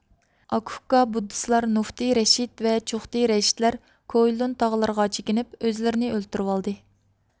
ئاكا ئۇكا بۇددىستلار نۇقتى رەشىد ۋە چوقتى رەشىدلەر كۇئېنلۇن تاغلىرىغا چېكىنىپ ئۆزلىرىنى ئۆلتۈرۈۋالدى